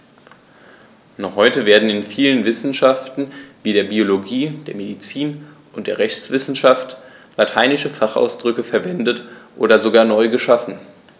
Noch heute werden in vielen Wissenschaften wie der Biologie, der Medizin und der Rechtswissenschaft lateinische Fachausdrücke verwendet und sogar neu geschaffen.